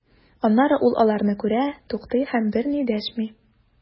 Аннары ул аларны күрә, туктый һәм берни дәшми.